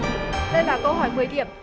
đây là câu hỏi mười điểm